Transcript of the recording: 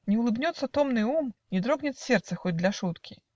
Не улыбнется томный ум, Не дрогнет сердце, хоть для шутки.